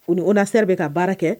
U ni o na se bɛ ka baara kɛ